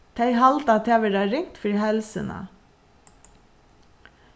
tey halda tað vera ringt fyri heilsuna